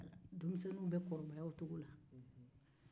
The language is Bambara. denmisɛnniw bɛ kɔrɔbaya o cogo la